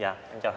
dạ em chào